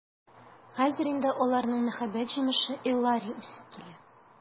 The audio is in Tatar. Хәзер инде аларның мәхәббәт җимеше Эллари үсеп килә.